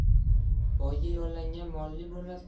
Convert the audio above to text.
boyga yollangan molli bo'lmas